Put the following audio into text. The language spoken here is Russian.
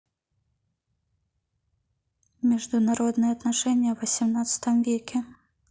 международные отношения в восемнадцатом веке